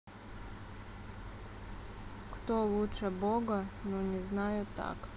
кто лучше бога ну не знаю так